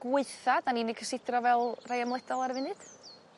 gweitha 'dan ni'n eu cysidro fel rei ymledol ar y funud?